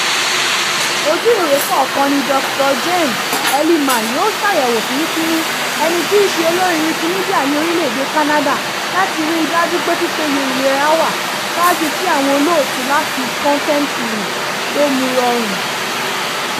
Ojú ìwé kọ̀ọ̀kan ni Dr. James Heliman yóò ṣàyẹ̀wò fínnífínní, ẹni tí í ṣe olórí Wikimedia ní orílẹ̀ èdè Canada, láti ríi dájú pé pípéye ìlera wà, ṣáájú kí àwọn olóòtú láti Content Rules tó mu rọrùn.